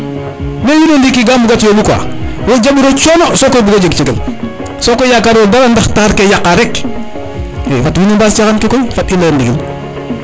mais wiin we ndiki ga mbugat yombu quoi wo jambiro cono soko koy bugo jeg cegel sokoy yakari ro dara ndax taxar ke ii yaqa rek i fat wiin we mbaas caxan ke koy fat i leyir ndigil